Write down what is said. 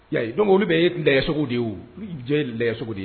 Dɔn olu bɛ yesogo de ye jɛ lajɛso de ye